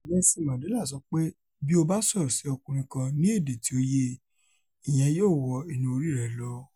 Nelson Mandela sọ pé: ''Bí o bá sọ̀rọ̀ sí ọkùnrin kan ní èdè tí ó yé e, ìyẹn yóò wọ inú orí rẹ lọ.